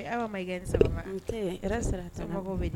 Aw ma gɛn sera